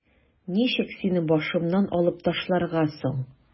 Ничек сине башымнан алып ташларга соң?